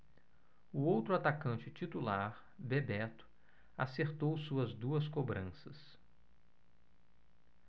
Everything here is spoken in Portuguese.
o outro atacante titular bebeto acertou suas duas cobranças